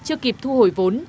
chưa kịp thu hồi vốn